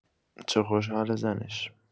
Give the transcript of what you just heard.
چه خوشحاله زنش.